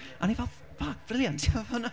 A o'n i fel "Fuck! Briliant!" Timod?